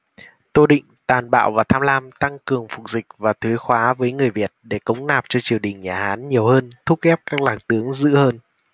tô định tàn bạo và tham lam tăng cường phục dịch và thuế khóa với người việt để cống nạp cho triều đình nhà hán nhiều hơn thúc ép các lạc tướng dữ hơn